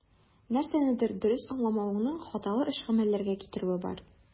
Нәрсәнедер дөрес аңламавыңның хаталы эш-гамәлләргә китерүе бар.